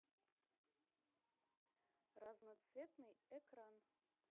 разноцветный экран